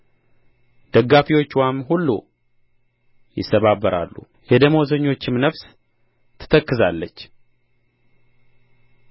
ደገፋዎችዋም ሁሉ ይሰባበራሉ የደመወዘኞችም ነፍስ ትተክዛለች